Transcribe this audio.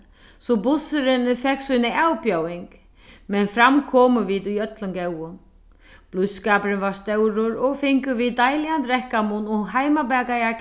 so bussurin fekk sína avbjóðing men fram komu vit í øllum góðum blíðskapurin var stórur og fingu vit deiligan drekkamunn og heimabakaðar